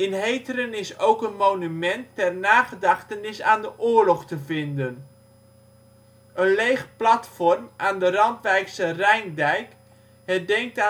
Heteren is ook een monument ter nagedachtenis aan de oorlog te vinden. Een leeg platform aan de Randwijkse Rijndijk herdenkt